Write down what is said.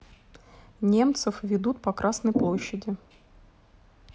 немцев ведут по красной площади